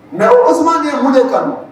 Mɛ oskundo kan